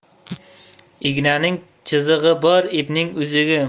ignaning chizig'i bor ipning uzugi